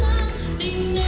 yêu